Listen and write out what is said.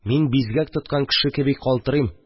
Мин бизгәк тоткан кеше кеби калтырыйм